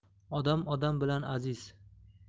odam odam bilan aziz